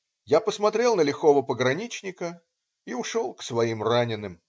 Я посмотрел на лихого пограничника и ушел к своим раненым.